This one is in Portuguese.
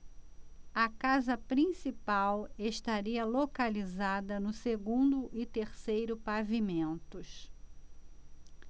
a casa principal estaria localizada no segundo e terceiro pavimentos